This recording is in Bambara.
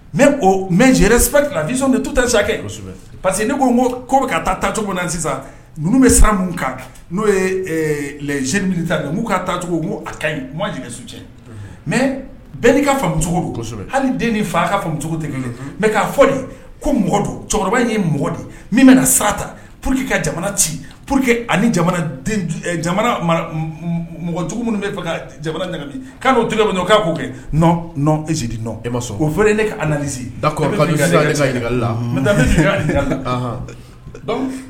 Mɛ o mɛɛrɛ saba lasɔn tu taa sa kɛ pa que ne ko ko ko ka taa taacogo na sisan bɛ sara min kan n'o ye ta'u ka taacogo ka ɲi mɛ bɛn n'i ka famuso bɛsɛbɛ hali den ni fa ka famuso tɛ kelen mɛ' fɔ de ko don cɛkɔrɔba in ye mɔgɔ de min bɛna sarata pour que ka jamana ci que ani mɔgɔ cogo minnu bɛ ka jamana ɲagali k'o tile k'a'o kɛ nɔn nɔn ezdi dɔn e ma sɔn ko v ne'